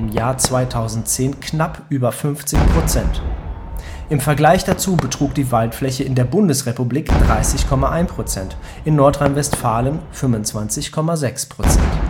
Jahr 2010 knapp über 50 Prozent. Im Vergleich dazu betrug die Waldfläche in der Bundesrepublik 30,1 Prozent (2009), in Nordrhein-Westfalen 25,6 Prozent